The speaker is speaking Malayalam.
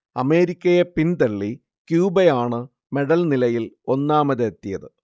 അമേരിക്കയെ പിന്തള്ളി ക്യൂബയാണ് മെഡൽനിലയിൽ ഒന്നാമതെത്തിയത്